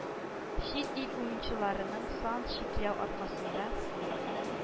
Чит ил уенчыларының санн чикләү аркасында,